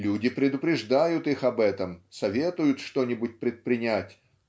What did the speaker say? люди предупреждают их об этом, советуют что-нибудь предпринять